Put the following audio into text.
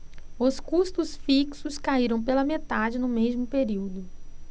os custos fixos caíram pela metade no mesmo período